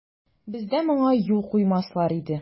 Бездә моңа юл куймаслар иде.